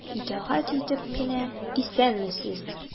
Итагать итеп кенә:— Исәнмесез!